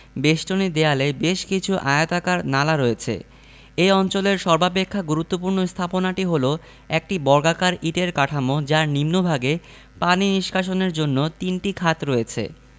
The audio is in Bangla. বেষ্টনী দেয়ালে বেশ কিছু আয়তাকার নালা রয়েছে এ অঞ্চলের সর্বাপেক্ষা গুরুত্বপূর্ণ স্থাপনাটি হলো একটি বর্গাকার ইটের কাঠামো যার নিম্নভাগে পানি নিষ্কাশনের জন্য তিনটি খাত রয়েছে